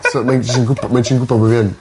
So mae'n js yn gwb- mae'n js yn gwbo bo' fi yn.